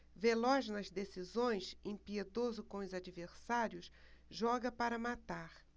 veloz nas decisões impiedoso com os adversários joga para matar